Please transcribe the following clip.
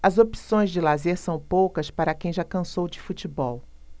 as opções de lazer são poucas para quem já cansou de futebol